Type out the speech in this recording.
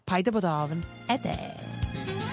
Paid a bod Ofn. Eden.